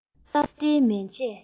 སྟབས བདེའི མལ ཆས